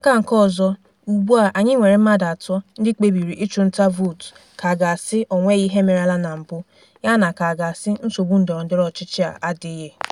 N'aka nke ọzọ, ugbua anyị nwere mmadụ atọ ndị kpebiri ịchụ nta vootu ka a ga-asị o nweghị ihe merela na mbụ, ya na ka a ga-asị nsogbu ndọrọndọrọ ọchịchị a adịghị.